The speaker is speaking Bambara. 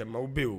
Jama bɛ yeo